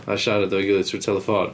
A siarad efo'i gilydd trwy teleffon.